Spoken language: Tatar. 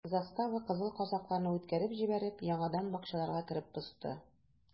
Застава, кызыл казакларны үткәреп җибәреп, яңадан бакчаларга кереп посты.